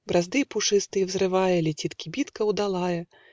Бразды пушистые взрывая, Летит кибитка удалая